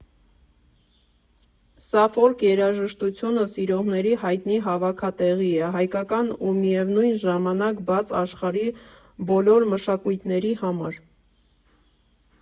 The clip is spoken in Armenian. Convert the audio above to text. Սա ֆոլք երաժշտությունը սիրողների հայտնի հավաքատեղի է՝ հայկական ու միևնույն ժամանակ բաց աշխարհի բոլոր մշակույթների համար։